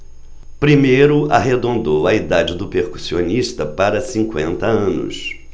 primeiro arredondou a idade do percussionista para cinquenta anos